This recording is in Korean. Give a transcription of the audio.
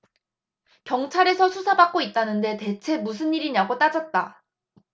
경찰에서 수사받고 있다는데 대체 무슨 일이냐고 따졌다